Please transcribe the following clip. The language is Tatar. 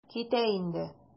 Китә инде.